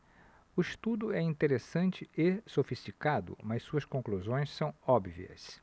o estudo é interessante e sofisticado mas suas conclusões são óbvias